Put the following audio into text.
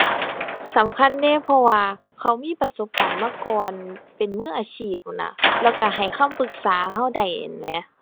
สำคัญเดะ เพราะว่าเขามีประสบการณ์มาก่อน เป็นมืออาชีพพู้นน่ะ แล้วก็ให้คำปรึกษาก็ได้หั้นแหม